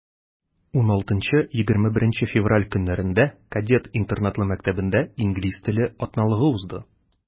16-21 февраль көннәрендә кадет интернатлы мәктәбендә инглиз теле атналыгы узды.